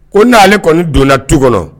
Ko ni ale kɔni donna tu kɔnɔ